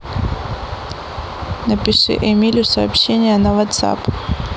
напиши эмилю сообщение на whatsapp